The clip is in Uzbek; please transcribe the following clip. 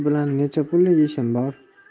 bilan necha pullik ishim bor